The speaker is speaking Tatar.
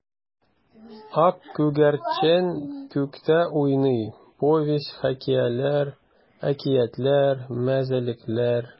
Ак күгәрчен күктә уйный: повесть, хикәяләр, әкиятләр, мәзәкләр.